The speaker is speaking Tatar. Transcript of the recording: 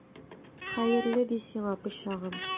Хәерле ди сиңа, пычагым!